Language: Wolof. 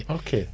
ok